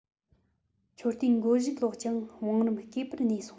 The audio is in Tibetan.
མཆོད རྟེན མགོ གཞུག ལོག ཀྱང བང རིམ སྐེད པར གནས སོང